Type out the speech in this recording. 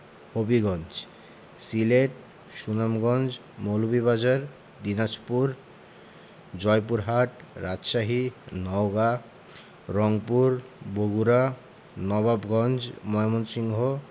Habiganj Sylhet Sunamganj Moulvibazar Dinajpur Joypurhat Rajshahi Naogaon Rangpur Bogura Nawabganj Mymensingh